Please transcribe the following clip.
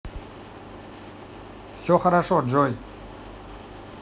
все хорошо джой